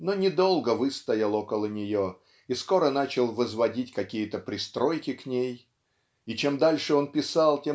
но недолго выстоял около нее и скоро начал возводить какие-то пристройки к ней и чем дальше он писал